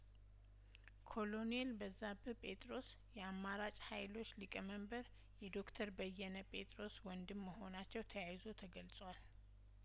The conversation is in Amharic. ኮሎኔል በዛብህ ጴጥሮስ የአማራጭ ሀይሎች ሊቀመንበር የዶክተር በየነ ጴጥሮስ ወንድም መሆናቸው ተያይዞ ተገልጿል